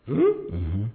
Un